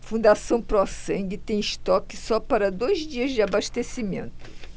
fundação pró sangue tem estoque só para dois dias de abastecimento